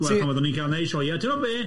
Wel pan oedden ni'n cael wneud sioeau, ti'bod be?